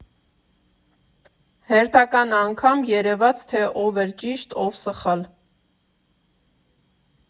Հերթական անգամ երևաց, թե ով էր ճիշտ, ով՝ սխալ։